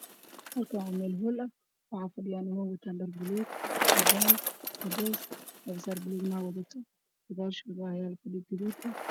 Halkaan waa meel hool ah waxaa fadhiyo niman wato dhar buluug ah , cadaan, cadeys, garbasaar buluug ah naag wadato, gadaashooda waxaa yaalo guri gaduud ah.